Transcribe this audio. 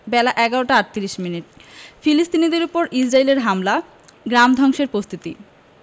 বেলা ১১টা ৩৮ মিনিট ফিলিস্তিনিদের ওপর ইসরাইলের হামলা গ্রাম ধ্বংসের পস্তুতি